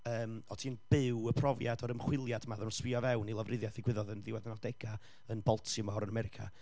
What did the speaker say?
yym, o ti'n byw y profiad o'r ymchwiliad 'ma odden nhw'n sbio fewn i lofruddiaeth ddigwyddodd yn ddiwedd y nawdegau yn Baltimore yn America.